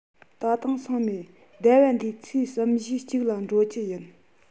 ད དུང སོང མེད ཟླ བ འདིའི ཚེས གསུམ བཞིའི གཅིག ལ འགྲོ རྒྱུུ ཡིན